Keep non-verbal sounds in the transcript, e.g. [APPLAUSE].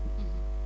[HESITATION] [HESITATION]